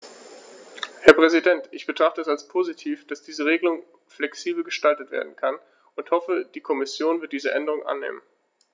Herr Präsident, ich betrachte es als positiv, dass diese Regelung flexibel gestaltet werden kann und hoffe, die Kommission wird diese Änderung annehmen.